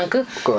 day doy waar